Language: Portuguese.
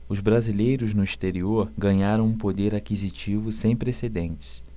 os brasileiros no exterior ganharam um poder aquisitivo sem precedentes